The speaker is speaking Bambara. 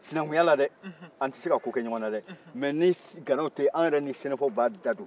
sinankuya la de an tɛ se ka ko kɛ ɲɔgɔn de mɛ gana tɛ yen an yɛrɛ ni sɛnɛfɔw b'a da don